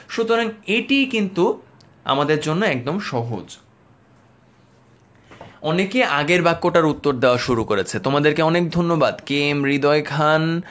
সুতরাং এটি কিন্তু আমাদের জন্য একদম সহজ অনেকে আগের বাক্যটার উত্তর দেয়া শুরু করেছে তোমাদেরকে অনেক ধন্যবাদ কে এম হৃদয় খান